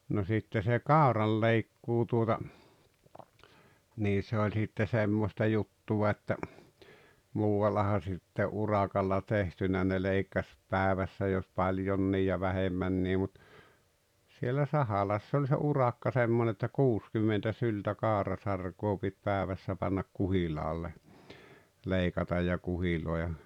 no sitten se kauranleikkuu tuota niin se oli sitten semmoista juttua että muuallahan sitten urakalla tehtynä ne leikkasi päivässä jos paljonkin ja vähemmänkin mutta siellä Sahalassa oli se urakka semmoinen että kuusikymmentä syltä kaurasarkaa piti päivässä panna kuhilaalle leikata ja kuhiloida